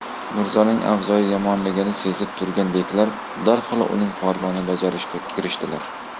mirzoning avzoyi yomonligini sezib turgan beklar darhol uning farmonini bajarishga kirishdilar